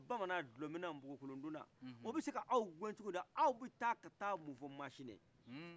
bamanan dɔlɔ minna mpoko kolon donna o bise k'aw gɛn cokodi aw bi taa ka ta mun fɔ masina